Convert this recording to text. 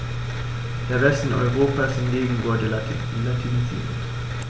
Der Westen Europas hingegen wurde latinisiert.